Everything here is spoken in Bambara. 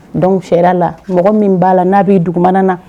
Donc sariya la mɔgɔ min ba la na bi dugumana la.